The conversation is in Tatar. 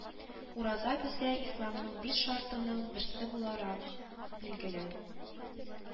Ураза безгә Исламның биш шартының берсе буларак билгеле